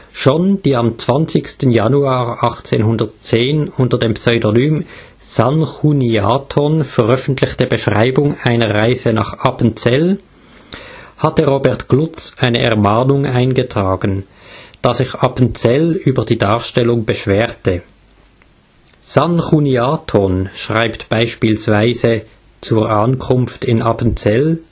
Schon die am 20. Januar 1810 unter dem Pseudonym „ Sanchuniathon “veröffentliche Beschreibung einer Reise nach Appenzell hatte Robert Glutz eine Ermahnung eingetragen, da sich Appenzell über die Darstellung beschwerte. „ Sanchuniathon “schreibt beispielsweise zur Ankunft in Appenzell